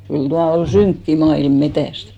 kyllä tuo oli synkkä maailma metsästä